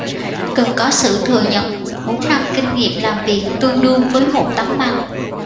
cần có sự thừa nhận bốn năm kinh nghiệm làm việc tương đương với một tấm bằng